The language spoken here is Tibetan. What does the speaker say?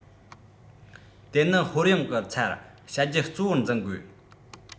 དེ ནི ཧོལ ཡང གི ཚལ བྱ རྒྱུ གཙོ བོར འཛིན དགོས